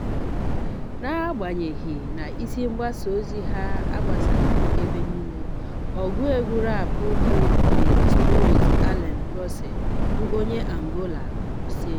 Na-agbanyeghị na isi mgbasa ozi ha agbasabeghị ebe niile, ọgụ egwu raapụ bụ Gil Slows Allen Russel bụ onye Angola kwuru sị: